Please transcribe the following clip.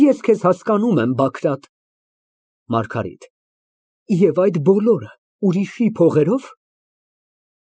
Ես քեզ հասկանում եմ, Բագրատ։ ՄԱՐԳԱՐԻՏ ֊ Եվ այդ բոլորը ուրիշի փողերո՞վ։